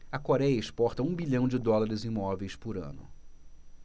a coréia exporta um bilhão de dólares em móveis por ano